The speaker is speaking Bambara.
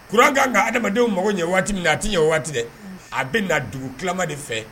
Courant kaan ka adamadenw mago ɲɛ waati minna a ti ɲɛ o waati dɛ a bena dugutilama de fɛ